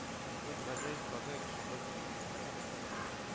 Без гаҗәеп прозаик чорга килеп кердек.